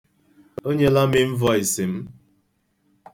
O nyela m ịnvọịsị m.